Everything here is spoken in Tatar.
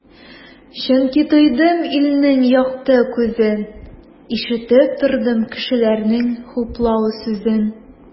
Чөнки тойдым илнең якты күзен, ишетеп тордым кешеләрнең хуплау сүзен.